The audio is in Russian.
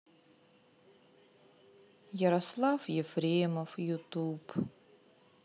ярослав ефремов ютуб